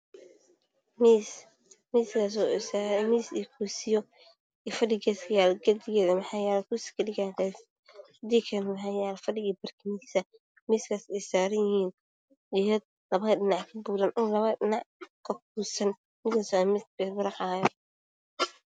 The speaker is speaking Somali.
Waa miis, kursiyo iyo fadhi iyo barkintiisa. Miiska waxaa saaran hayaayad labada dhinac ka buuran, miiska waa miis birbirqaayo.